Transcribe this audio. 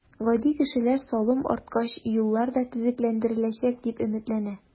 Гади кешеләр салым арткач, юллар да төзекләндереләчәк, дип өметләнә.